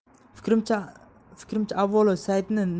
fikrimcha avvalo saytni